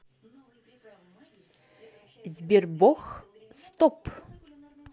sberbox стоп